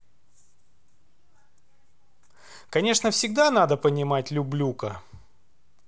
конечно всегда надо понимать люблюка